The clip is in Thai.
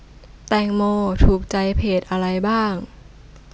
แตงโมถูกใจเพจอะไรบ้าง